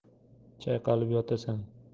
chayqalib yotasan